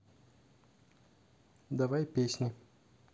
давай песни